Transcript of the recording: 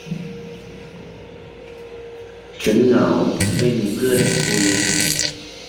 ฉันเหงาไม่มีเพื่อนคุย